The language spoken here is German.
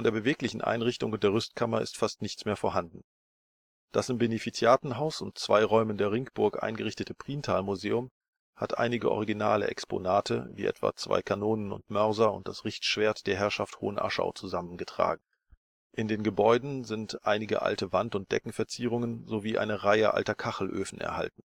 beweglichen Einrichtung und der Rüstkammer ist fast nichts mehr vorhanden. Das im Benefiziatenhaus und zwei Räumen der Ringburg eingerichtete Priental-Museum hat einige originale Exponate wie etwa zwei Kanonen und Mörser und das Richtschwert der Herrschaft Hohenaschau zusammengetragen. In den Gebäuden sind einige alte Wand - und Deckenverzierungen, sowie eine Reihe alter Kachelöfen erhalten